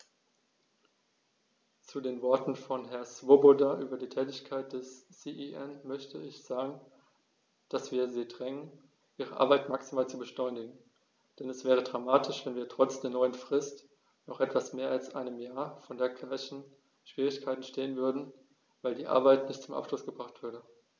Zu den Worten von Herrn Swoboda über die Tätigkeit des CEN möchte ich sagen, dass wir sie drängen, ihre Arbeit maximal zu beschleunigen, denn es wäre dramatisch, wenn wir trotz der neuen Frist nach etwas mehr als einem Jahr vor den gleichen Schwierigkeiten stehen würden, weil die Arbeiten nicht zum Abschluss gebracht wurden.